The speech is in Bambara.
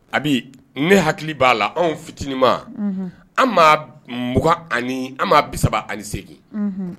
A bi ne hakili b'a la anw fitininma an mugan an ma bisa ani segingin